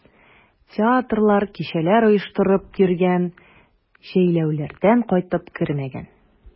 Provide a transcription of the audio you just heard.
Театрлар, кичәләр оештырып йөргән, җәйләүләрдән кайтып кермәгән.